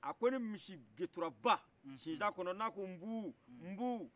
a ko ni misi jɛturaba sinsa kɔnɔ n'a ko mbuu mbuu